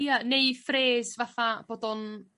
Ia neu phrase fatha fod o'n